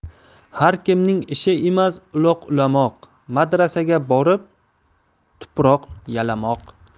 har kimning ishi emas uloq ulamoq madrasaga borib tuproq yalamoq